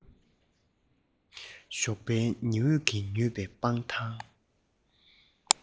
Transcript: ཞོགས པའི ཉི འོད ཀྱིས མྱོས པའི སྤང ཐང